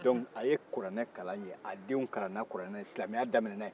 dɔnku a ye kuranɛ kalan yen a denw kalanna kuranɛ la silamɛya daminɛna yen